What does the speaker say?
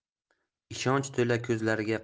ishonch to'la ko'zlariga